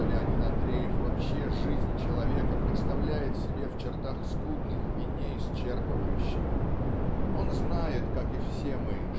что Леонид Андреев вообще "жизнь человека" представляет себе в чертах скудных и неисчерпывающих. Он знает как и все мы